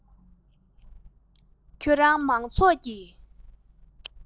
ཁྱོད རང མང ཚོགས ཀྱི